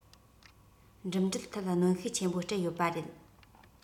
འགྲིམ འགྲུལ ཐད གནོན ཤུགས ཆེན པོ སྤྲད ཡོད པ རེད